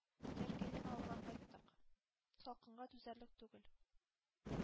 Яркәйдән авылга кайттык. Салкынга түзәрлек түгел.